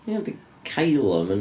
Ia, ond 'di Kylo ddim yn...